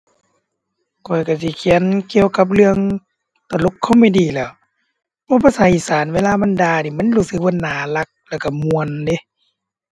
ข้อยก็สิเขียนเกี่ยวกับเรื่องตลก comedy แหล้ว เพราะภาษาอีสานเวลามันด่านี่มันรู้สึกว่าน่ารักแล้วก็ม่วนเดะ